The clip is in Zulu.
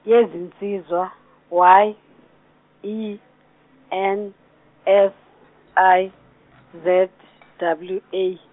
yezinsizwa, Y, E, N, S, I, Z W A.